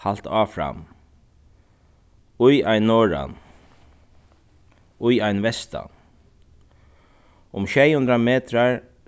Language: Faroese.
halt áfram í ein norðan í ein vestan um sjey hundrað metrar